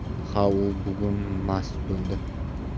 ha u bugun mast bo'ldi